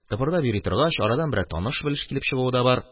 Тыпырдап йөри торгач, арадан берәр таныш-белеш килеп чыгуы да бар.